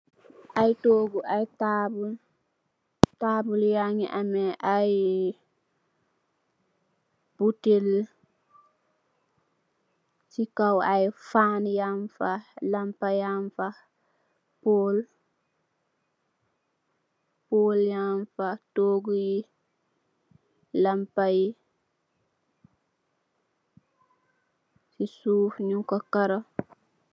Ay toogu, ay taabul, taabul yaa ngi amee ay butel. Si kow ay faan yañg fa, lampa yañg fa, pool yañg fa, toogu yi, lampa yi, si suuf ñung ko karo.